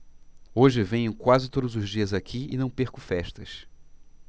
hoje venho quase todos os dias aqui e não perco festas